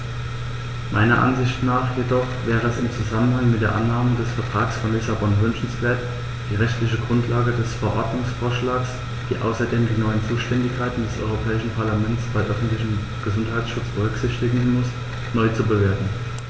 Meiner Ansicht nach jedoch wäre es im Zusammenhang mit der Annahme des Vertrags von Lissabon wünschenswert, die rechtliche Grundlage des Verordnungsvorschlags, die außerdem die neuen Zuständigkeiten des Europäischen Parlaments beim öffentlichen Gesundheitsschutz berücksichtigen muss, neu zu bewerten.